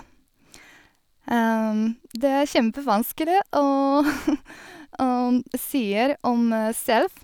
Det er kjempevanskelig å sier om selv.